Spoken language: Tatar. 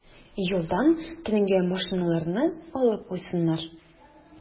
Юлдан төнгә машиналарны алып куйсыннар.